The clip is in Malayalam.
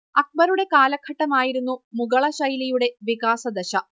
അക്ബറുടെ കാലഘട്ടമായിരുന്നു മുഗളശൈലിയുടെ വികാസദശ